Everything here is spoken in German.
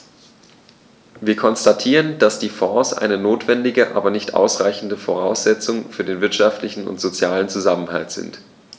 Wir konstatieren, dass die Fonds eine notwendige, aber nicht ausreichende Voraussetzung für den wirtschaftlichen und sozialen Zusammenhalt sind.